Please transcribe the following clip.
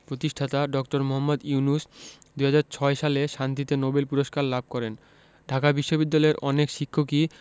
প্রতিষ্ঠাতা ড. মোহাম্মদ ইউনুস ২০০৬ সালে শান্তিতে নোবেল পূরস্কার লাভ করেন ঢাকা বিশ্ববিদ্যালয়ের অনেক শিক্ষকই